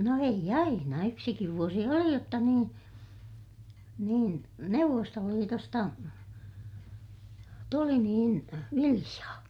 no ei aina yksikin vuosi oli jotta niin niin Neuvostoliitosta tuli niin viljaa